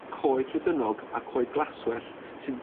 ...coed rhedynog a coed glaswellt sy'n